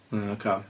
Hmm ocê.